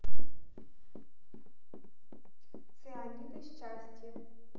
цианиды счастье